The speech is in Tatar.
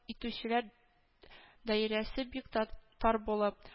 Итүчеләр даирәсе бик тар булып